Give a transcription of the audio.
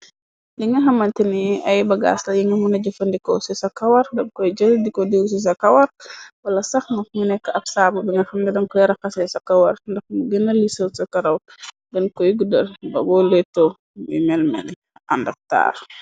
Li nga xamantinee ay bagaas la yi nga mëna jëfandiko ci sa kawar. Dag koy jël diko diiw ci sa kawar wala sax nax. Mu nekk ab saab bi nga xamne dam ku leeraxase sa kawar ndax mu gëna lisaw ca karaw. Gën koy guddar ba boo leeto mi melmeni àndab taax.